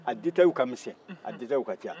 a detayiw ka misɛn a detayiw ka ca